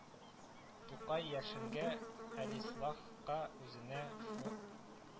Тукай Яшен гә, әлислах ка, үзенә, Ф